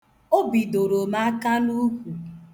O bidoro m aka n' ukwu.